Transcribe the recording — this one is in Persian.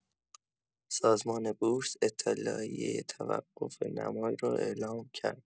سازمان بورس اطلاعیه توقف نماد را اعلام کرد.